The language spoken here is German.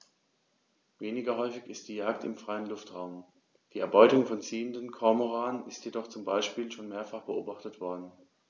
Weniger häufig ist die Jagd im freien Luftraum; die Erbeutung von ziehenden Kormoranen ist jedoch zum Beispiel schon mehrfach beobachtet worden.